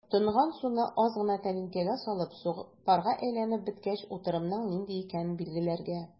Тонган суны аз гына тәлинкәгә салып, су парга әйләнеп беткәч, утырымның нинди икәнен билгеләргә.